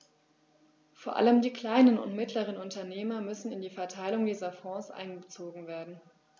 Vor allem die kleinen und mittleren Unternehmer müssen in die Verteilung dieser Fonds einbezogen werden.